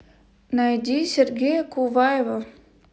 найди сергея куваева